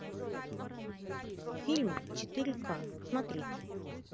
фильмы четыре к смотреть